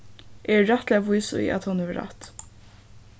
eg eri rættiliga vís í at hon hevur rætt